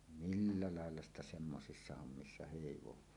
millä lailla sitä semmoisissa hommissa heivaa